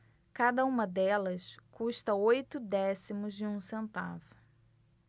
cada uma delas custa oito décimos de um centavo